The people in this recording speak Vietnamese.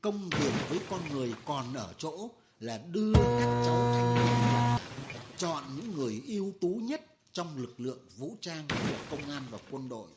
công việc với con người còn ở chỗ là đưa các cháu thanh niên đi đào tạo chọn những người ưu tú nhất trong lực lượng vũ trang tức là công an và quân đội